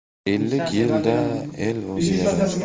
ellik yilda el o'zgarar